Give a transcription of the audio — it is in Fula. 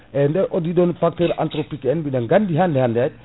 eyyi nde o ɗiɗon facteur entropique en biɗen gandi hande hande hadi